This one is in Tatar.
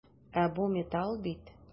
Ә бу металл бит!